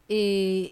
Ee